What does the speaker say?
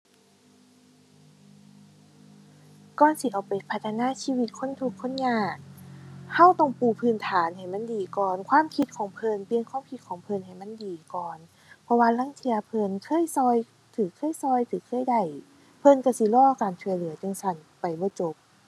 ก่อนสิเอาไปพัฒนาชีวิตคนทุกข์คนยาก เราต้องปูพื้นฐานให้มันดีก่อน ความคิดของเพิ่น เปลี่ยนความคิดของเพิ่นให้มันดีก่อน เพราะว่าลางเทื่อเพิ่นเคยเรา เราเคยเรา เราเคยได้ เพิ่นเราสิรอการช่วยเหลือจั่งซั้น ไปบ่จบ